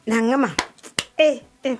Naamu h ee h